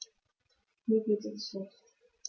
Mir geht es schlecht.